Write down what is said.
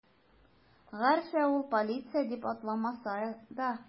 Гәрчә ул полиция дип аталмаса да.